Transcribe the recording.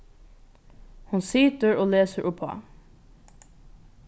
hon situr og lesur uppá